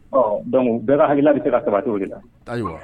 Ɔ dɔnkuc bɛɛ hakilila bɛ sera saba cogo de la ayiwa